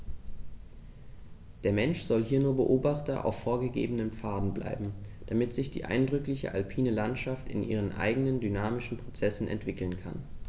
Der Mensch soll hier nur Beobachter auf vorgegebenen Pfaden bleiben, damit sich die eindrückliche alpine Landschaft in ihren eigenen dynamischen Prozessen entwickeln kann.